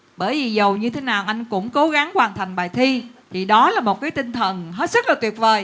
bởi vì dù như thế nào anh cũng cố gắng hoàn thành bài thi thì đó là một cái tinh thần hết sức là tuyệt vời